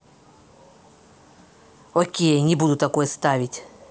окей не буду такое ставить